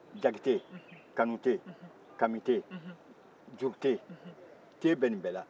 jakite kanute kamite jurute te bɛ nin bɛɛ la